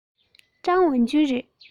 ཀྲང ཝུན ཅུན རེད